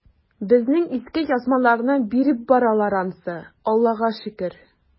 Безнең иске язмаларны биреп баралар ансы, Аллага шөкер.